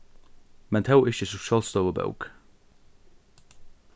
men tó ikki sum sjálvstøðug bók